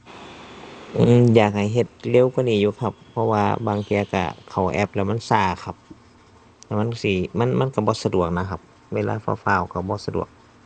อือ อยากให้เฮ็ดเร็วกว่านี้อยู่ครับ เพราะว่าบางเที่ยก็เข้าแอปแล้วมันก็ครับ มันสิมันมันก็บ่สะดวกนะครับเวลาฟ้าวฟ้าวก็บ่สะดวก